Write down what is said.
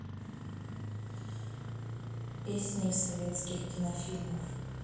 песни из советских кинофильмов